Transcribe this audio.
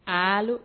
Aa